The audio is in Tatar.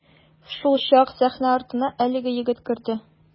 Шулчак сәхнә артына әлеге җегет керде.